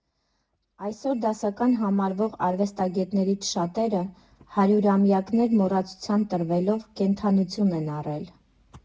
Այսօր դասական համարվող արվեստագետներից շատերը, հարյուրամյակներ մոռացության տրվելով, կենդանություն են առել.